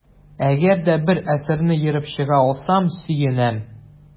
Әгәр дә бер әсәрне ерып чыга алсам, сөенәм.